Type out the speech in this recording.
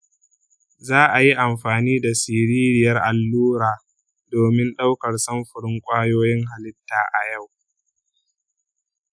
za a yi amfani da siririyar allura domin ɗaukar samfurin ƙwayoyin halitta a yau.